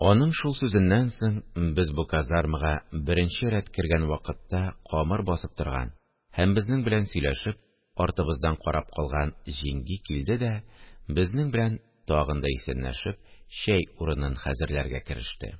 Аның шул сүзеннән соң, без бу казармага беренче рәт кергән вакытта камыр басып торган һәм безнең белән сөйләшеп, артыбыздан карап калган җиңги килде дә, безнең белән тагын да исәнләшеп, чәй урынын хәзерләргә кереште